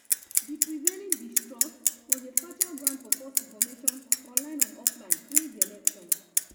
The prevailing distrust was a fertile ground for false information – online and offline – during the elections.